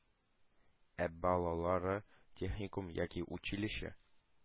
Ә балалары техникум яки училище